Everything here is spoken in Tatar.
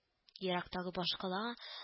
Ерактагы башкалага